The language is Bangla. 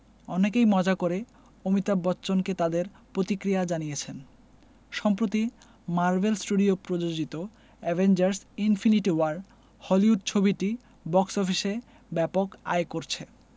অনেকেই মজা করে অমিতাভ বচ্চনকে তাদের প্রতিক্রিয়া জানিয়েছেন সম্প্রতি মার্বেল স্টুডিয়ো প্রযোজিত অ্যাভেঞ্জার্স ইনফিনিটি ওয়ার হলিউড ছবিটি বক্স অফিসে ব্যাপক আয় করছে